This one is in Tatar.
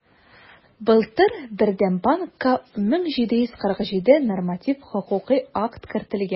Былтыр Бердәм банкка 1747 норматив хокукый акт кертелгән.